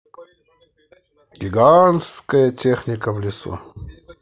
гигантская техника в лесу